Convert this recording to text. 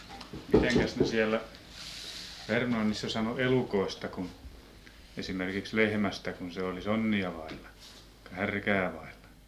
mitenkäs ne siellä Vermlannissa sanoi elukoista kun esimerkiksi lehmästä kun se oli sonnia vailla härkää vailla